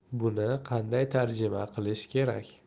buni qanday tarjima qilish kerak